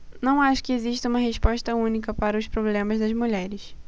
não acho que exista uma resposta única para os problemas das mulheres